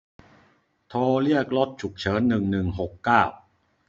โทรเรียกรถฉุกเฉินหนึ่งหนึ่งหกเก้า